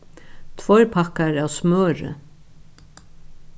tveir pakkar av smøri